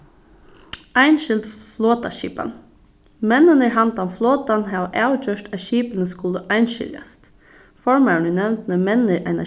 einskild flotaskipan menninir handan flotan hava avgjørt at skipini skulu einskiljast formaðurin í nevndini mennir eina